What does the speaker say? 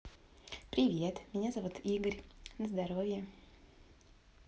привет меня зовут игорь на здоровье